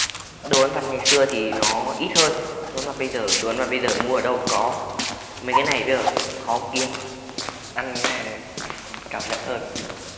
đồ ăn vặt ngày xưa thì nó ít hơn đồ ăn vặt bây giờ đồ ăn vặt bây giờ mua ở đâu cũng có mấy cái này bây giờ khó kiếm ăn cái này cảm nhận hơn